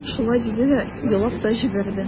Шулай диде дә елап та җибәрде.